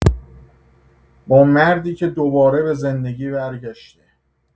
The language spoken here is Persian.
با مردی که دوباره به زندگی برگشته.